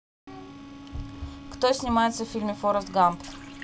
кто снимается в фильме форрест гамп